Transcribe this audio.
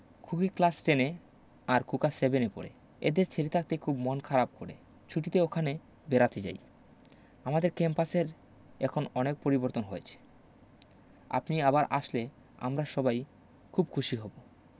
খুকি ক্লাস টেনএ আর খোকা সেভেনএ পড়ে এদের ছেড়ে থাকতে খুব মন খারাপ করে ছুটিতে ওখানে বেড়াতে যাই আমাদের ক্যাম্পাসের এখন অনেক পরিবর্তন হয়েছে আপনি আবার আসলে আমরা সবাই খুব খুশি হব